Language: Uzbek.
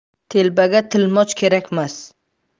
telbaga tilmoch kerakmas